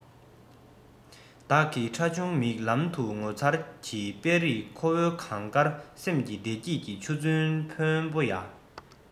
བདག གི ཁྲ ཆུང མིག ལམ དུ ངོ མཚར གྱི དཔེ རིས ཁོ བོའི གངས དཀར སེམས ལ བདེ སྐྱིད ཀྱི ཆུ འཛིན གྱི ཕོན པོ ཡ